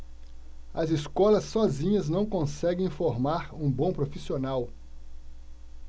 as escolas sozinhas não conseguem formar um bom profissional